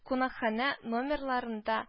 Кунакханә номерларында